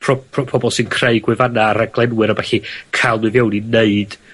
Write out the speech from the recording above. pro- pro- pobol sy'n creu gwefanna a raglenwyr a bellu. Ca'l nw fewn i neud